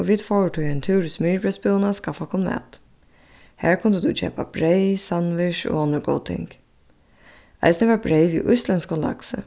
og vit fóru tí ein túr í smyrjibreyðsbúðina at skaffa okkum mat har kundi tú keypa breyð sandwich og onnur góð ting eisini var breyð við íslendskum laksi